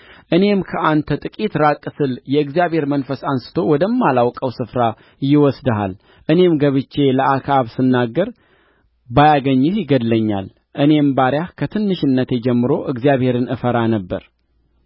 እኔም ከአንተ ጥቂት ራቅ ስል የእግዚአብሔር መንፈስ አንሥቶ ወደማላውቀው ስፍራ ይወስድሃል እኔም ገብቼ ለአክዓብ ስናገር ባያገኝህ ይገድለኛል እኔም ባሪያህ ከትንሽነቴ ጀምሬ እግዚአብሔርን እፈራ ነበር